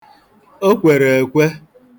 O kwere ekwe.